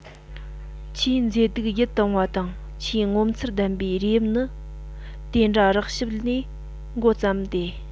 ཆེས མཛེས སྡུག ཡིད དུ འོངས པ དང ཆེས ངོ མཚར ལྡན པའི རིགས དབྱིབས ནི དེ འདྲ རགས རིམ ཞིག ལས འགོ བརྩམས ཏེ